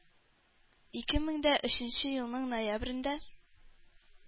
Ике мең дә өченче елның ноябрендә